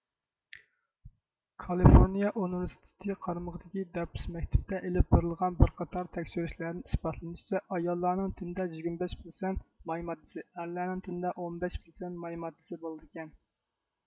كالىفورنىيە ئۇنىۋېرسىتېتى قارىمىقىدىكى دەپۈس مەكتىۋىدە ئېلىپ بېرىلغان بىر قاتار تەكشۈرۈشلەردىن ئىسپاتلىنىشىچە ئاياللارنىڭ تېنىدە يىگىرمە بەش پىرسەنت ماي ماددىسى ئەرلەرنىڭ تېنىدە ئون بەش پىرسەنت ماي ماددىسى بولىدىكەن